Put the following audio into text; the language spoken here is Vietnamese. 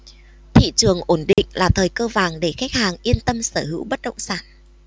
thị trường ổn định là thời cơ vàng để khách hàng yên tâm sở hữu bất động sản